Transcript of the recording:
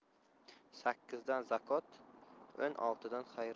sakkizdan zakot o'n oltidan hayrot